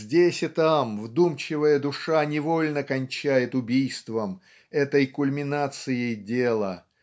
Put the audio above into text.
здесь и там вдумчивая душа невольно кончает убийством этой кульминацией дела